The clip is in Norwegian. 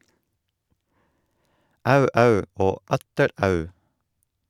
- Au-au, og atter au.